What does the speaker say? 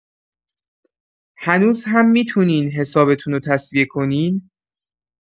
هنوز هم می‌تونین حسابتون رو تسویه کنین؟